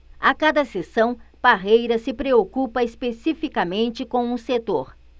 a cada sessão parreira se preocupa especificamente com um setor